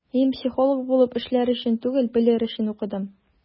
Мин психолог булып эшләр өчен түгел, белер өчен укыдым.